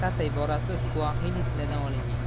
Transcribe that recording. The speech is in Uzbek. matata iborasi suaxili tilidan olingan